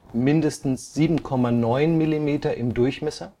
mindestens 7,9 mm im Durchmesser